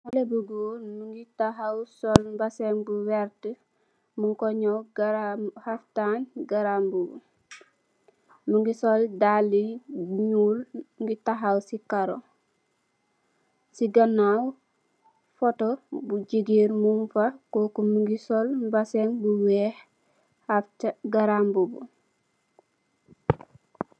Xale bu goor mogi taxaw sol bazen bu wertah mung ko ngaw garabu haftan garambubu mogi sol daali bu nuul mogi taxaw si karo si ganaw photo bu jigeen mung fa koku mogi sol bazen bu weex ak garambubu.